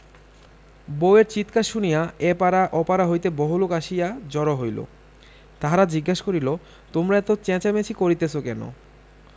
বউ এর চিৎকার শুনিয়া এ পাড়া ও পাড়া হইতে বহুলোক আসিয়া জড় হইল তাহারা জিজ্ঞাসা করিল তোমরা এত চেঁচামেচি করিতেছ কেন